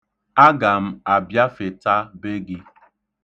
Aga m abịafeta be gị.